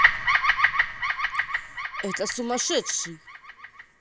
это сумасшедший